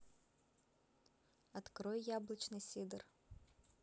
открой яблочный сидр